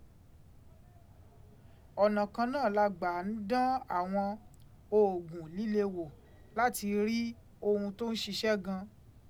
Ọ̀nà kan náà la gbà ń dán àwọn oògùn líle wò láti rí ohun tó ń ṣiṣẹ́ gan an.